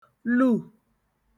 lù